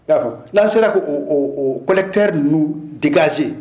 'a fɔ n'a sera ko koɛlɛtɛ n' dekanse